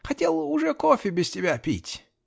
-- Хотел уже кофе без тебя пить.